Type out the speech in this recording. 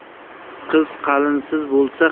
qiz qalinsiz bo'lsa